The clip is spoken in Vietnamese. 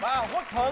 và quốc thuận